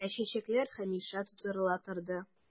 Ә чәркәләр һәмишә тутырыла торды...